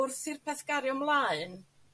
wrth i'r peth gario mlaen